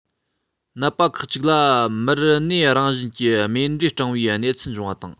ནད པ ཁག ཅིག ལ མུར གནས རང བཞིན གྱི རྨེན འབྲས སྐྲང བའི གནས ཚུལ འབྱུང བ དང